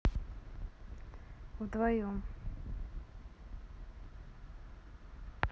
вдвоем